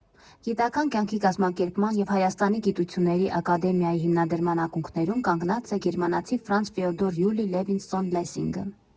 Գիտական կյանքի կազմակերպման և Հայաստանի գիտությունների ակադեմիայի հիմնադրման ակունքներում կանգնած է գերմանացի Ֆրանց (Ֆեոդոր) Յուլի Լևինսոն֊Լեսինգը։